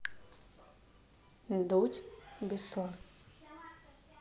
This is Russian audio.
дудь беслан